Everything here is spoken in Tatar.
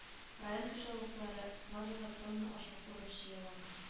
Район хуҗалыклары барлыгы тонна ашлык урып-җыеп алган